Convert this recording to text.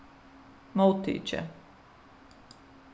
móttikið